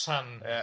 Hosan!...